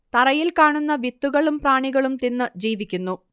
തറയിൽ കാണുന്ന വിത്തുകളും പ്രാണികളും തിന്നു ജീവിക്കുന്നു